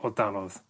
odanodd.